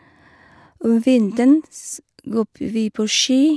Om vinteren s går p vi på ski.